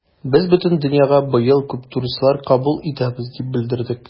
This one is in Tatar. Без бөтен дөньяга быел күп туристлар кабул итәбез дип белдердек.